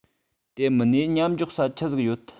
དེ མིན ནས མཉམ འཇོག ས ཆི ཟིག ཡོད